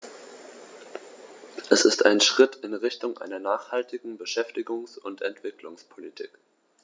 Er ist ein Schritt in Richtung einer nachhaltigen Beschäftigungs- und Entwicklungspolitik.